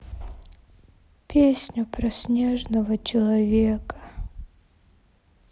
песня про снежного человека